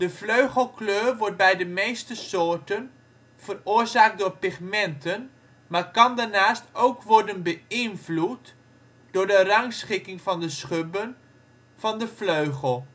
vleugelkleur wordt bij de meeste soorten veroorzaakt door pigmenten maar kan daarnaast ook worden beïnvloed door de rangschikking van de schubben van de vleugel